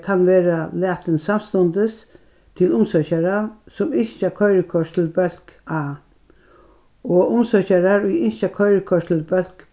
kann verða latin samstundis til umsøkjara sum ynskja koyrikort til bólk a og umsøkjarar ið ynskja koyrikort til bólk